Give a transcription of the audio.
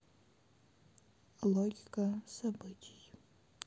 логика событий